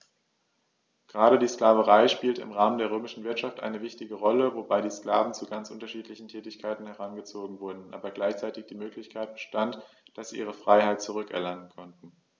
Gerade die Sklaverei spielte im Rahmen der römischen Wirtschaft eine wichtige Rolle, wobei die Sklaven zu ganz unterschiedlichen Tätigkeiten herangezogen wurden, aber gleichzeitig die Möglichkeit bestand, dass sie ihre Freiheit zurück erlangen konnten.